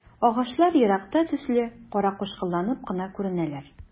Агачлар еракта төсле каракучкылланып кына күренәләр.